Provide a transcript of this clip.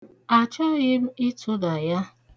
Achọghị ịtụda ya.